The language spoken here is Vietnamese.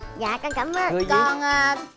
dạ con cảm ơn con a